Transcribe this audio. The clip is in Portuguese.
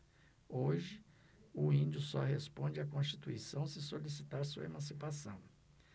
hoje o índio só responde à constituição se solicitar sua emancipação